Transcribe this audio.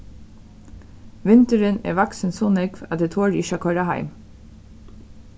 vindurin er vaksin so nógv at eg tori ikki at koyra heim